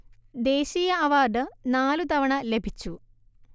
ദേശീയ അവാര്‍ഡ് നാലു തവണ ലഭിച്ചു